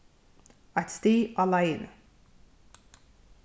eitt stig á leiðini